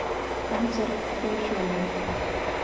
концерт пугачевой